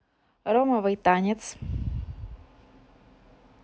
ромовый танец